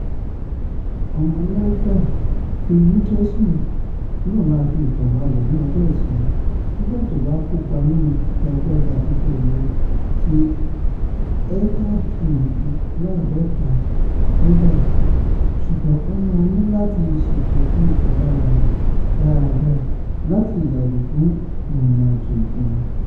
Ọmọ Amẹ́ríkà Phil Mickelson máa fi ìtan balẹ̀ ní ọjọ́ Ìsinmi nígbà tí ó bá kópa nínú ìfigagbága ife ẹ̀yẹ ti 47th Ryder, ṣùgbọ́n ó máa níláti ṣètọ́jú ìpalára rẹ̀ dáadáa láti yàgò fún ìrìnàjò ìkùnà.